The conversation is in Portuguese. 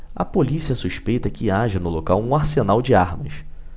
a polícia suspeita que haja no local um arsenal de armas